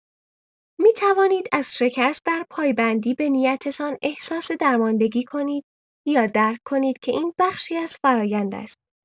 می‌توانید از شکست در پایبندی به نیتتان احساس درماندگی کنید یا درک کنید که این بخشی از فرایند است.